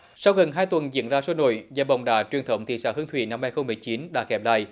sau gần hai tuần diễn ra sôi nổi giải bóng đá truyền thống thị xã hương thủy năm ba không bảy mười chín đã khép lại